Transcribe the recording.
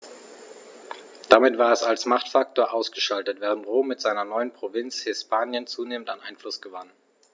Damit war es als Machtfaktor ausgeschaltet, während Rom mit seiner neuen Provinz Hispanien zunehmend an Einfluss gewann.